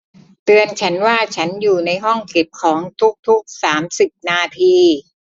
เตือนฉันว่าฉันอยู่ในห้องเก็บของทุกทุกสามสิบนาที